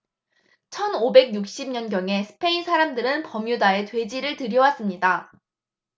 천 오백 육십 년경에 스페인 사람들은 버뮤다에 돼지를 들여왔습니다